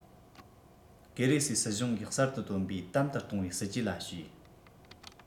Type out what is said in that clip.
ཀེ རི སེའི སྲིད གཞུང གིས གསར དུ བཏོན པའི དམ དུ གཏོང བའི སྲིད ཇུས ལ བྱས